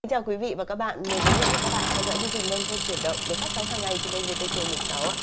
chào quý vị và các bạn mời quý vị với các bạn theo dõi chương trình nông thôn chuyển động được phát sóng hằng ngày trên kênh vê tê xê mười sáu ạ